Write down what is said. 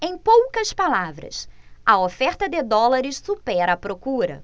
em poucas palavras a oferta de dólares supera a procura